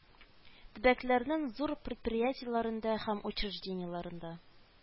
Төбәкләрнең зур предприятиеләрендә һәм учреждениеларындә